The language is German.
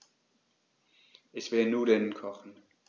Ich will Nudeln kochen.